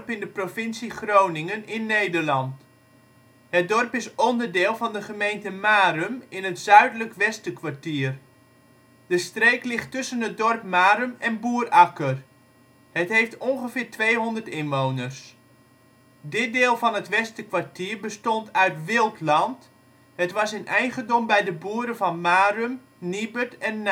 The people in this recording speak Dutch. in de provincie Groningen (in Nederland). Het dorp is onderdeel van de gemeente Marum in het zuidelijk Westerkwartier. De streek ligt tussen het dorp Marum en Boerakker. Het heeft ongeveer 200 inwoners. Dit deel van het Westerkwartier bestond uit wildland, het was in eigendom bij de boeren van Marum, Niebert en